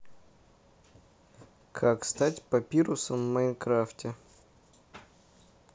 как стать папирусом в майнкрафте